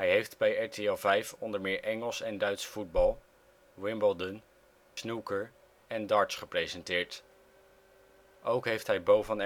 heeft bij RTL 5 onder meer Engels en Duits voetbal, Wimbledon, snooker en darts gepresenteerd. Ook heeft hij Beau